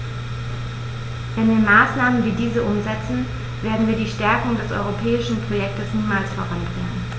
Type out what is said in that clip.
Wenn wir Maßnahmen wie diese umsetzen, werden wir die Stärkung des europäischen Projekts niemals voranbringen.